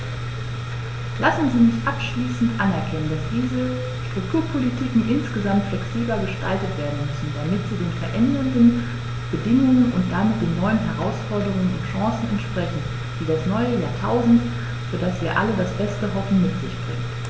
Lassen Sie mich abschließend anmerken, dass die Strukturpolitiken insgesamt flexibler gestaltet werden müssen, damit sie den veränderten Bedingungen und damit den neuen Herausforderungen und Chancen entsprechen, die das neue Jahrtausend, für das wir alle das Beste hoffen, mit sich bringt.